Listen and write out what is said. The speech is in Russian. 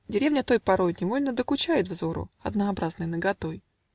Деревня той порой Невольно докучает взору Однообразной наготой.